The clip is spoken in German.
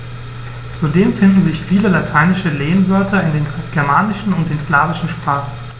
Zudem finden sich viele lateinische Lehnwörter in den germanischen und den slawischen Sprachen.